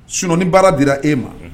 Sunin baara dira e ma